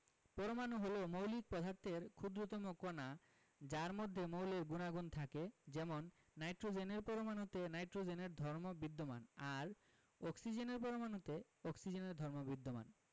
পরমাণু হলো মৌলিক পদার্থের ক্ষুদ্রতম কণা যার মধ্যে মৌলের গুণাগুণ থাকে যেমন নাইট্রোজেনের পরমাণুতে নাইট্রোজেনের ধর্ম বিদ্যমান আর অক্সিজেনের পরমাণুতে অক্সিজেনের ধর্ম বিদ্যমান